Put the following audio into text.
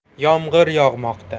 yomg'ir yog'moqda